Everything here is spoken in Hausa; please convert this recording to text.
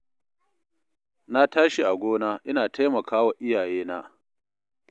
Na tashi a gona, ina taimaka wa iyayena.